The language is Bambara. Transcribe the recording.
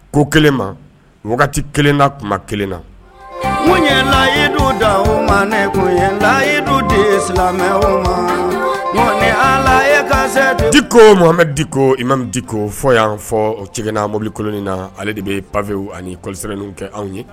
Ko kelen ma o wagati kelen na tuma kelen na ko ɲɛlayi da o ma neyi de o ko ala di komadu di ko i mami di ko fɔ y yan fɔ jigin'an bolibili kolon in na ale de bɛ papiwu ani kɔlɔsisini kɛ anw ye